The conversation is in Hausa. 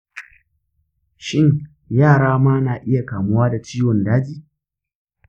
shin yara ma na iya kamuwa da ciwon daji?